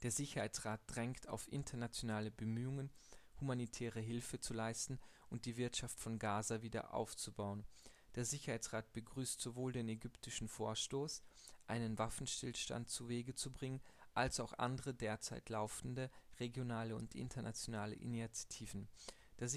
Sicherheitsrat drängt auf internationale Bemühungen, humanitäre Hilfe zu leisten und die Wirtschaft von Gaza wieder aufzubauen. Der Sicherheitsrat begrüßt sowohl den ägyptischen Vorstoß, einen Waffenstillstand zuwege zu bringen, als auch andere derzeit laufende regionale und internationale Initiativen. Der Sicherheitsrat